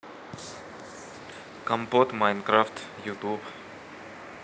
компот майнкрафт ютуб